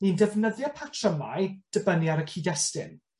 ni'n defnyddio patrymau dibynnu ar y cyd-destun.